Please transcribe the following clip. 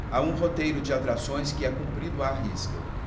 há um roteiro de atrações que é cumprido à risca